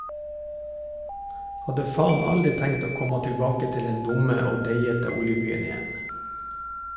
Hadde faen aldri tenkt å komma tilbake til den dumme og deigete oljebyen igjen.